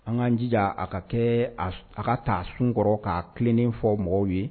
An ka'an jija a ka kɛ a ka taa sunkɔrɔ k kaa tilennen fɔ mɔgɔw ye